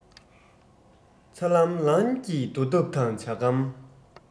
ཚ ལམ ལམ གྱི རྡོ ཐབ དང ཇ སྒམ